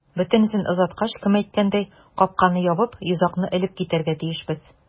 Бөтенесен озаткач, кем әйткәндәй, капканы ябып, йозакны элеп китәргә тиешбез.